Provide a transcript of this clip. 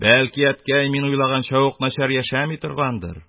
Әткәй, мин уйлаганча ук, начар яшәми торгандыр..